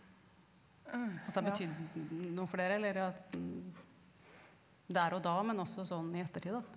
at det har betydd noe for dere eller at der og da men også sånn i ettertida da.